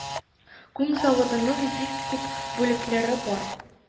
Күн заводының бик күп бүлекләре бар